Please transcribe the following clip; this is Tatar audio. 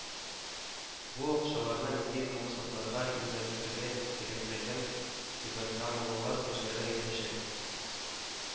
Бу акчаларны нинди максатларга юнәлтергә кирәклеген түбәнкамалылар үзләре әйтәчәк